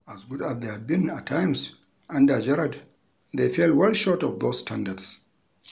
As good as they have been at times under Gerrard, they fell well short of those standards.